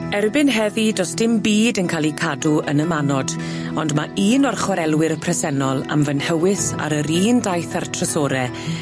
Erbyn heddi do's dim byd yn ca'l 'i cadw yn y manod ond ma' un o'r chwarelwyr presennol am fy nhywys ar yr un daith â'r trysore